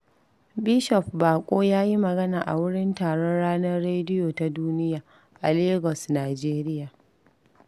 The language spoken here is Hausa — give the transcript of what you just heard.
Bishop Bako ya yi magana a wurin taron Ranar Rediyo Ta Duniya, a Lagos Nijeriya,